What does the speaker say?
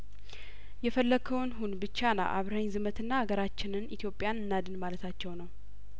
የፈለከውን ሁን ብቻና አብረኸኝ ዝመትና አገራችንን ኢትዮጵያን እናድን ማለታቸው ነው